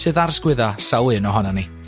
sydd ar 'sgwydda' sawl un ohona ni.